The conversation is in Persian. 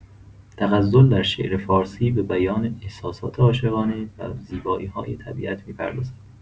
تغزل در شعر فارسی به بیان احساسات عاشقانه و زیبایی‌های طبیعت می‌پردازد.